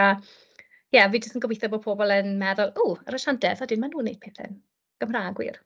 A, ie, fi jyst yn gobeitho bod pobl yn meddwl, "ww, yr asiantaeth, ydyn maen nhw'n neud pethe'n Gymraeg wir".